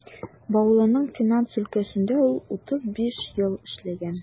Баулының финанс өлкәсендә ул 35 ел эшләгән.